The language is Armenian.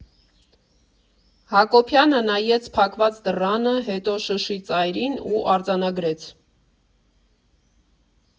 Հակոբյանը նայեց փակված դռանը, հետո շշի ծայրին ու արձանագրեց.